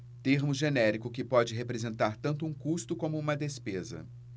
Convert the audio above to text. termo genérico que pode representar tanto um custo como uma despesa